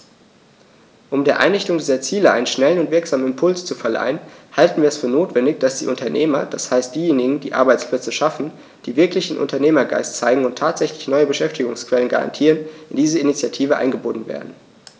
Um der Erreichung dieser Ziele einen schnellen und wirksamen Impuls zu verleihen, halten wir es für notwendig, dass die Unternehmer, das heißt diejenigen, die Arbeitsplätze schaffen, die wirklichen Unternehmergeist zeigen und tatsächlich neue Beschäftigungsquellen garantieren, in diese Initiative eingebunden werden.